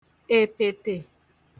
èpètè